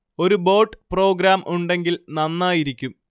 ഒരു boat programme ഉണ്ടെങ്കിൽ നന്നായിരിക്കും